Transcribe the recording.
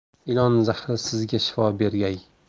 ilon zahri sizga shifo bergay